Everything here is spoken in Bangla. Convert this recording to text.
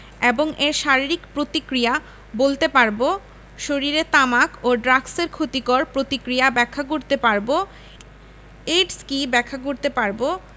এবং এর শারীরিক প্রতিক্রিয়া বলতে পারব শরীরে তামাক ও ড্রাগসের ক্ষতিকর প্রতিক্রিয়া ব্যাখ্যা করতে পারব এইডস কী ব্যাখ্যা করতে পারব